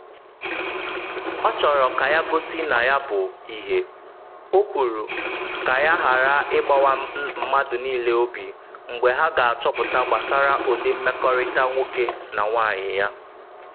Ọ chọro ka ya gosi na ya bụ “ihe”, o kwuru, ka ya ghara ịgbawa mmadụ niile obi mgbe ha ga-achọpụta gbasara ụdị mmekọrịta nwoke na nwanyị ya.